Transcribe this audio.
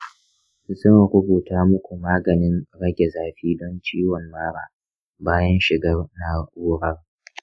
zan rubuta muku maganin rage zafi don ciwon mara bayan shigar na’urar.